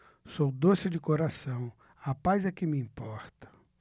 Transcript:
sou doce de coração a paz é que me importa